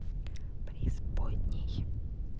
прейсподней